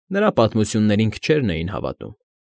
Նրա պատմություններին քչերն էին հավատում։